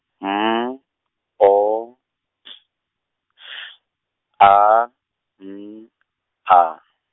M, O, T, Š, A, N , A.